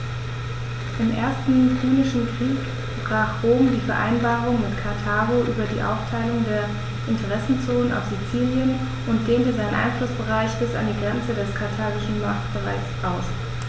Im Ersten Punischen Krieg brach Rom die Vereinbarung mit Karthago über die Aufteilung der Interessenzonen auf Sizilien und dehnte seinen Einflussbereich bis an die Grenze des karthagischen Machtbereichs aus.